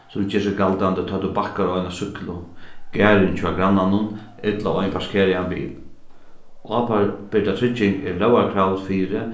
sum ger seg galdandi tá tú bakkar á eina súkklu garðin hjá grannanum ella á ein parkeraðan bil trygging er lógarkravd fyri